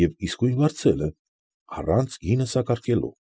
Եվ իսկույն վարձել է, առանց գինը սակարկելու։ ֊